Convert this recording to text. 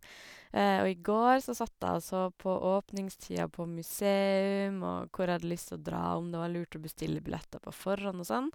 Og i går så satt jeg og så på åpningstider på museum, og hvor jeg hadde lyst å dra, og om det var lurt å bestille billetter på forhånd og sånn.